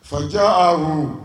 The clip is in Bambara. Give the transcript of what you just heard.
Fa amu